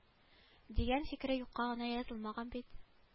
Дигән фикере юкка гына язылмаган бит